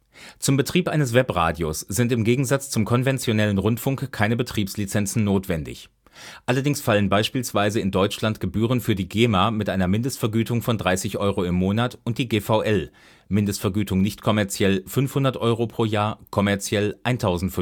Zum Betrieb eines Webradios sind im Gegensatz zum konventionellen Rundfunk keine Betriebslizenzen notwendig. Allerdings fallen beispielsweise in Deutschland Gebühren für GEMA (Mindestvergütung 30 Euro/Monat) und GVL (Mindestvergütung nicht-kommerziell: 500 Euro/Jahr, kommerziell: 1500